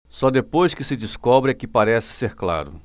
só depois que se descobre é que parece ser claro